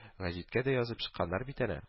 Гәҗиткә дә язып чыкканнар бит әнә